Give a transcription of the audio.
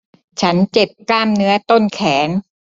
ฉันเจ็บกล้ามเนื้อต้นแขน